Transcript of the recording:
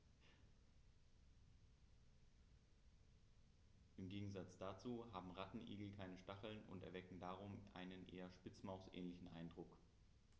Im Gegensatz dazu haben Rattenigel keine Stacheln und erwecken darum einen eher Spitzmaus-ähnlichen Eindruck.